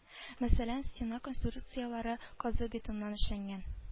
Мәсәлән стена конструкцияләре газобетоннан эшләнгән